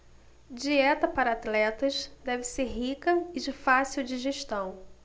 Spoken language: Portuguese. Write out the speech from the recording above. dieta para atletas deve ser rica e de fácil digestão